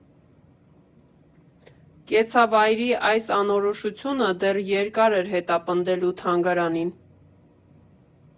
Կեցավայրի այս անորոշությունը դեռ երկար էր հետապնդելու թանգարանին։